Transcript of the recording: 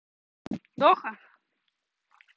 доха